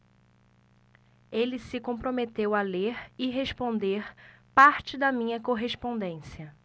ele se comprometeu a ler e responder parte da minha correspondência